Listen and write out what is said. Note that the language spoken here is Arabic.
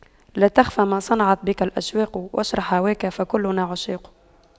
لا تخف ما صنعت بك الأشواق واشرح هواك فكلنا عشاق